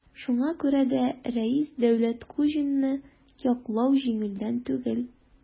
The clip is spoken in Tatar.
Шуңа күрә дә Рәис Дәүләткуҗинны яклау җиңелдән түгел.